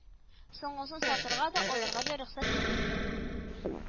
Соңгысын сатырга да, алырга да рөхсәт ителми